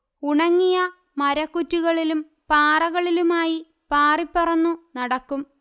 ഉണങ്ങിയ മരക്കുറ്റികളിലും പാറകളിലുമായി പാറിപ്പറന്നു നടക്കും